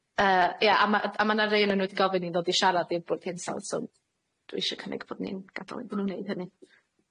Yy ia, a ma' d- a ma' 'na rei o'nyn nw 'di gofyn i ddod i siarad i'r Bwrdd Hinsawdd, so dwi isio cynnig bod ni'n gadal iddyn nw neud hynny.